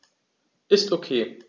Ist OK.